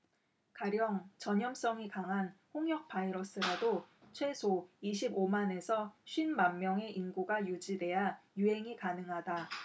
가령 전염성이 강한 홍역 바이러스라도 최소 이십 오 만 에서 쉰 만명의 인구가 유지돼야 유행이 가능하다